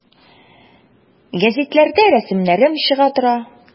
Гәзитләрдә рәсемнәрем чыга тора.